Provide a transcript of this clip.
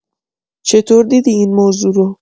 چطور دیدی این موضوع رو؟